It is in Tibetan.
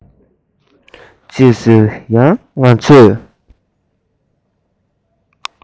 ཅེས ཟེར ཡང ང ཚོས